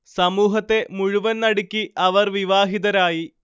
സമൂഹത്തെ മുഴുവൻ നടുക്കി അവർ വിവാഹിതരായി